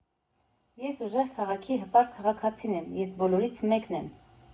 Ես ուժեղ քաղաքի հպարտ քաղաքացին եմ, ես բոլորից մեկն եմ։